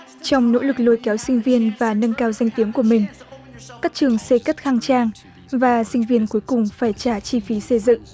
trong nỗ lực lôi kéo sinh viên và nâng cao danh tiếng của mình các trường xây cất khang trang và sinh viên cuối cùng phải trả chi phí xây dựng